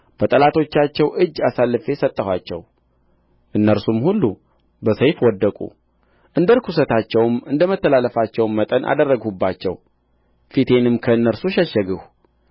በጠላቶቻቸው እጅ አሳልፌ ሰጠኋቸው እነርሱም ሁሉ በሰይፍ ወደቁ እንደ ርኵሰታቸውም እንደ መተላለፋቸውም መጠን አደረግሁባቸው ፊቴንም ከእነርሱ ሸሸግሁ